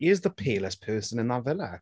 He is the palest person in that villa.